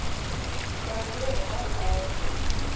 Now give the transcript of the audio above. королева марго